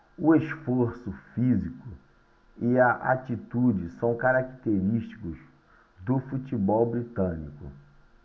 o esforço físico e a atitude são característicos do futebol britânico